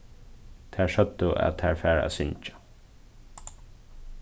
tær søgdu at tær fara at syngja